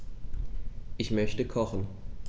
Ich möchte kochen.